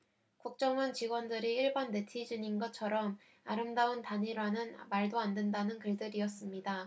국정원 직원이 일반 네티즌인 것처럼 아름다운 단일화는 말도 안 된다는 글들이었습니다